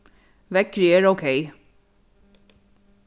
veðrið er ókey